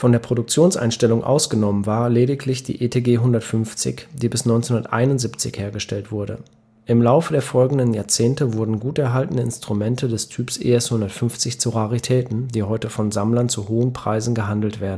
der Produktionseinstellung ausgenommen war lediglich die ETG-150, die bis 1971 hergestellt wurde. Im Laufe der folgenden Jahrzehnte wurden guterhaltene Instrumente des Typs ES-150 zu Raritäten, die heute von Sammlern zu hohen Preisen gehandelt